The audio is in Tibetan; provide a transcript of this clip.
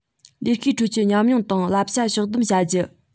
ལས ཀའི ཁྲོད ཀྱི ཉམས མྱོང དང བསླབ བྱ ཕྱོགས བསྡོམས བྱ རྒྱུ